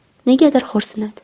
negadir xo'rsinadi